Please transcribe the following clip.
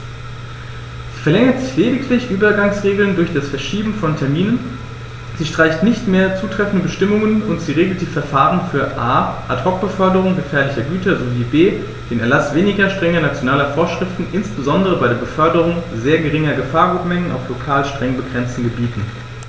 Sie verlängert lediglich Übergangsregeln durch das Verschieben von Terminen, sie streicht nicht mehr zutreffende Bestimmungen, und sie regelt die Verfahren für a) Ad hoc-Beförderungen gefährlicher Güter sowie b) den Erlaß weniger strenger nationaler Vorschriften, insbesondere bei der Beförderung sehr geringer Gefahrgutmengen auf lokal streng begrenzten Gebieten.